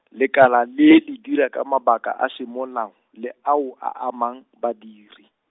lekala le le dira ka mabaka a semolao, le ao a amang, badiri.